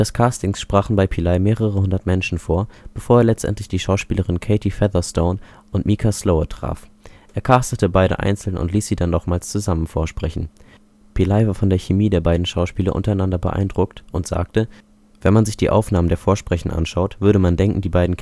Castings sprachen bei Peli mehrere hundert Menschen vor, bevor er letztendlich die Schauspielerin Katie Featherston und Micah Sloat traf. Er castete beide einzeln und ließ sie dann nochmals zusammen vorsprechen. Peli war von der Chemie der beiden Schauspieler untereinander beeindruckt und sagte: „ Wenn man sich die Aufnahmen der Vorsprechen anschaut, würde man denken, die beiden